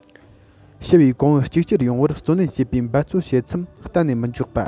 ཞི བས གོང བུ གཅིག གྱུར ཡོང བར བརྩོན ལེན བྱེད པའི འབད བརྩོན བྱེད མཚམས གཏན ནས མི འཇོག པ